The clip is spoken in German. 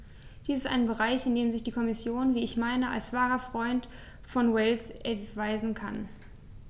Dies ist ein Bereich, in dem sich die Kommission, wie ich meine, als wahrer Freund von Wales erweisen kann.